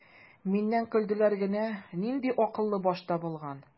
Миннән көлделәр генә: "Нинди акыллы баш табылган!"